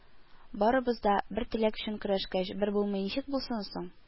Барыбыз да бер теләк өчен көрәшкәч, бер булмый, ничек булсын соң